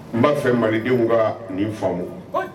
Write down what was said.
N b'a fɛ malidenw ka nin faamu. .